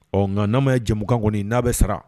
Ɔ nka n'anma ye jɛmmukan kɔni n'a bɛ sara